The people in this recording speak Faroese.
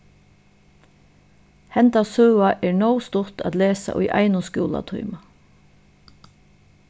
henda søga er nóg stutt at lesa í einum skúlatíma